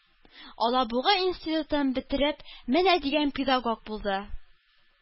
Алабуга институтын бетереп, менә дигән педагог булды.